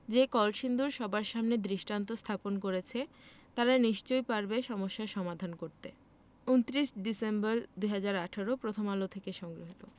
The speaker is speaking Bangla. যে কলসিন্দুর সবার সামনে দৃষ্টান্ত স্থাপন করেছে তারা নিশ্চয়ই পারবে সমস্যাটার সমাধান করতে ২৯ ডিসেম্বর ২০১৮ প্রথম আলো হতে সংগৃহীত